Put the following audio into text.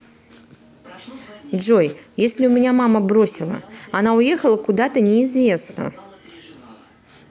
джой если у меня мама бросила она уехала куда то неизвестно